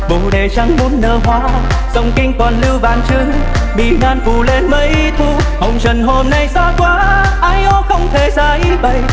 bồ đề chẳng chẳng hoa dòng kinh còn lưu vạn chữ bì ngạn phủ lên mấy thu hồng trần hôm nay xa quá ái ố không thể bãi bày